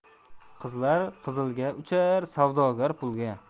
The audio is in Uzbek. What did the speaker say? qizlar qizilga uchar savdogar pulga